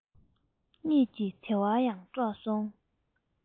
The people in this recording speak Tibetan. གཉིད ཀྱི བདེ བ ཡང དཀྲོགས སོང